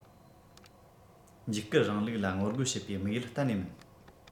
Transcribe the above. འཇིགས སྐུལ རིང ལུགས ལ ངོ རྒོལ བྱེད པའི དམིགས ཡུལ གཏན ནས མིན